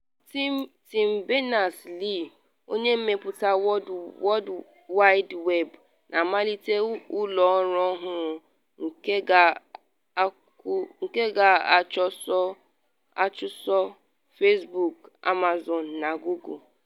Tim Berners-Lee, onye mmepụta World Wide Web, na-amalite ụlọ ọrụ ọhụrụ nke ga-achụso Facebook, Amazon na Google.